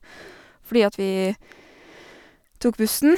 Fordi at vi tok bussen.